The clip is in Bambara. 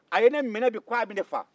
a ye ne minɛ bi ka b'a bɛ ne faa